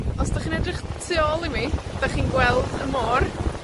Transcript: Os 'dych chi'n edrych tu ôl i mi, 'dych chi'n gweld y môr.